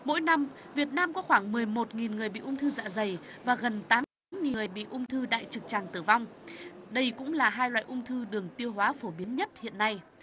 mỗi năm việt nam có khoảng mười một nghìn người bị ung thư dạ dày và gần tám nghìn người bị ung thư đại trực tràng tử vong đây cũng là hai loại ung thư đường tiêu hóa phổ biến nhất hiện nay